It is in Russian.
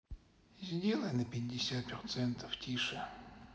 сделай на пятьдесят процентов тише